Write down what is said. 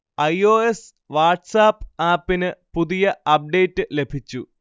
I. O. S WhatsApp ആപ്പിന് പുതിയ update ലഭിച്ചു